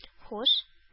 Һуш